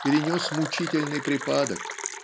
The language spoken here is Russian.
перенес мучительный припадок